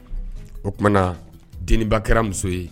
O tumaumana den kɛra muso ye